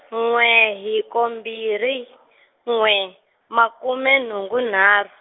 n'we hiko mbirhi, n'we, makume nhungu nharhu.